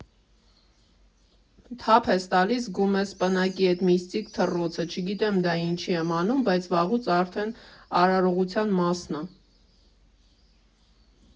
Թափ ես տալիս, զգում ես պնակի էդ միստիկ թռռոցը՝ չգիտեմ դա ինչի եմ անում, բայց վաղուց արդեն արարողության մասն ա։